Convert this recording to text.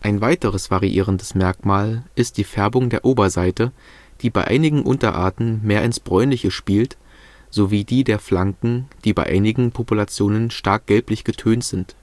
Ein weiteres variierendes Merkmal ist die Färbung der Oberseite, die bei einigen Unterarten mehr ins Bräunliche spielt, sowie die der Flanken, die bei einigen Populationen stark gelblich getönt sind